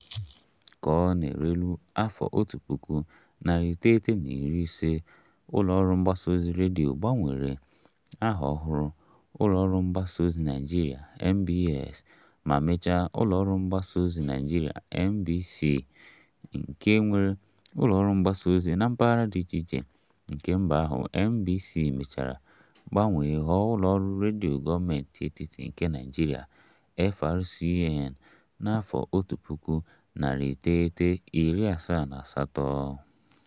Ka ọ na-erule afọ 1950, ụlọ ọrụ mgbasa ozi redio gbanwere aha ọhụrụ — ụlọ ọrụ mgbasa ozi Naịjirịa (NBS) — ma mechaa, ụlọ ọrụ mgbasa ozi Naịjirịa (NBC), nke nwere ụlọ ọrụ mgbasa ozi na mpaghara dị iche iche nke mba ahụ. NBC mechara gbanwee ghọọ ụlọ ọrụ redio gọọmentị etiti nke Naịjirịa (FRCN) na 1978.